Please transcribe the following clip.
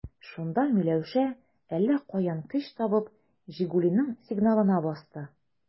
Шунда Миләүшә, әллә каян көч табып, «Жигули»ның сигналына басты.